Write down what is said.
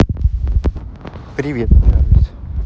привет джарвис